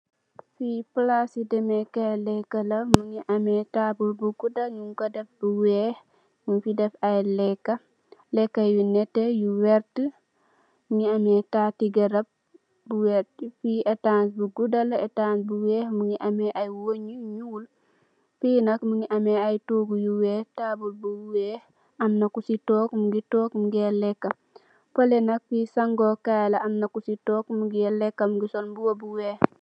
Fee plase deme kaye leka la muge ameh taabul bu gouda nugku def lu weex muge def aye leka leka yu neteh yu werte muge ameh tate garab bu werte fee etass bu gouda la etass bu weex muge ameh aye weah yu nuul fee nak muge ameh aye toogu yu weex taabul bu weex amna ku se tonke muge tonke muge leka fale nak fee sagu kaye la amna kuse tonke muge leka muge sol muba bu weex.